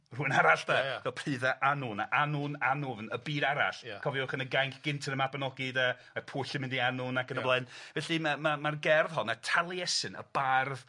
rhywun arall 'de? Ia ia. Pridda Annwn. Annwn anwfn y byd arall. Ia. Cofiwch yn y gainc gynta'n y Mabinogi 'de ma Pwyll yn mynd i Annwn ac yn y blaen felly m'e ma' ma'r gerdd hon a Taliesin y bardd